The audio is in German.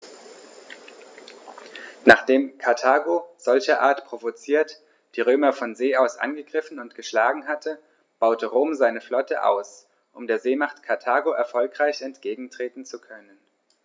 Nachdem Karthago, solcherart provoziert, die Römer von See aus angegriffen und geschlagen hatte, baute Rom seine Flotte aus, um der Seemacht Karthago erfolgreich entgegentreten zu können.